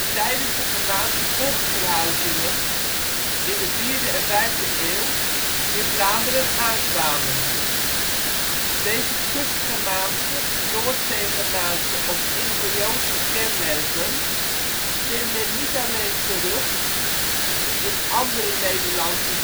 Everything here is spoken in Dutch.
tijdens de Germaanse volksverhuizingen - in de vierde en vijfde eeuw - in Vlaanderen aankwamen. Deze Kustgermaanse, Noordzeegermaanse of Ingveoonse kenmerken vindt men niet alleen terug in andere Nederlandse dialecten